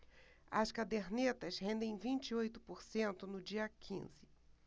as cadernetas rendem vinte e oito por cento no dia quinze